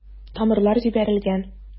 Тамырлар җибәрелгән.